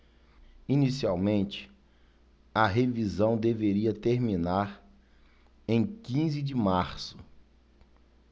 inicialmente a revisão deveria terminar em quinze de março